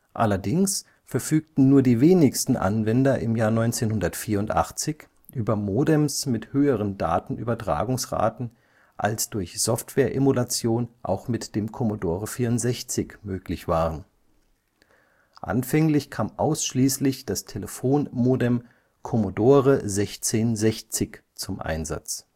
Allerdings verfügten nur die wenigsten Anwender im Jahre 1984 über Modems mit höheren Datenübertragungsraten, als durch Softwareemulation auch mit dem Commodore 64 möglich waren. Anfänglich kam ausschließlich das Telefonmodem Commodore 1660 zum Einsatz